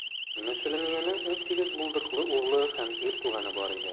Мешелемиянең унсигез булдыклы углы һәм ир туганы бар иде.